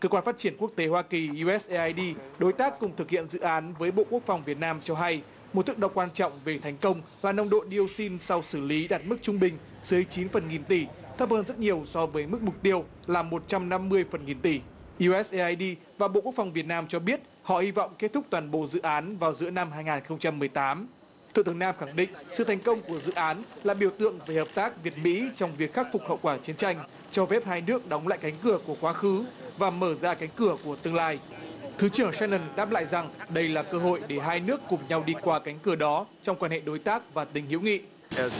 cơ quan phát triển quốc tế hoa kỳ diu ét ây ai đi đối tác cùng thực hiện dự án với bộ quốc phòng việt nam cho hay một thước đo quan trọng về thành công và nồng độ đi ô xin sau xử lý đạt mức trung bình dưới chín phần nghìn tỷ thấp hơn rất nhiều so với mức mục tiêu là một trăm năm mươi phần nghìn tỷ diu ét ây ai đi và bộ quốc phòng việt nam cho biết họ hy vọng kết thúc toàn bộ dự án vào giữa năm hai ngàn không trăm mười tám thủ tướng nam khẳng định sự thành công của dự án là biểu tượng về hợp tác việt mỹ trong việc khắc phục hậu quả chiến tranh cho phép hai nước đóng lại cánh cửa của quá khứ và mở ra cánh cửa của tương lai thứ trưởng sa nần đáp lại rằng đây là cơ hội để hai nước cùng nhau đi qua cánh cửa đó trong quan hệ đối tác và tình hữu nghị